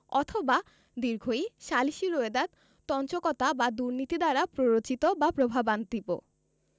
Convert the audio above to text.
অথবা ঈ সালিসী রোয়েদাদ তঞ্চকতা বা দুর্নীতি দ্বারা প্ররোচিত বা প্রভাবান্তিব